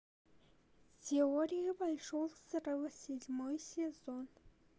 теория большого взрыва седьмой сезон